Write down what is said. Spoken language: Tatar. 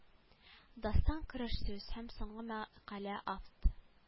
Дастан кереш сүз һәм соңгы мәкалә авт